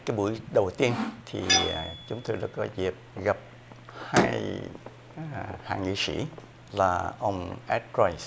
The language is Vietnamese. cái buổi đầu tiên thì chúng tôi rất có dịp gặp hai hạ nghị sĩ là ông ét roi